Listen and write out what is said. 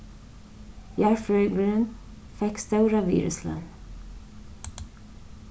jarðfrøðingurin fekk stóra virðisløn